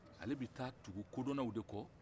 ale bɛ taa tugu kodɔnnaw de kɔ